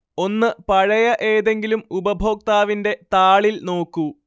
ഒന്ന് പഴയ ഏതെങ്കിലും ഉപഭോക്താവിന്റെ താളിൽ നോക്കൂ